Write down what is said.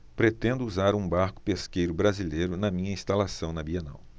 pretendo usar um barco pesqueiro brasileiro na minha instalação na bienal